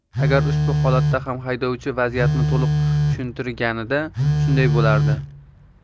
agar ushbu holatda ham haydovchi vaziyatni to'liq tushuntirganida shunday bo'lardi